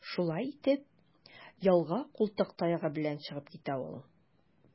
Шулай итеп, ялга култык таягы белән чыгып китә ул.